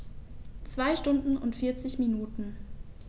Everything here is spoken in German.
2 Stunden und 40 Minuten